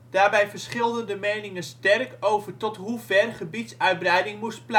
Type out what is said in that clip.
Daarbij verschilden de meningen sterk over tot hoever gebiedsuitbreiding moest